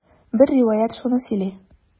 Бер риваять шуны сөйли.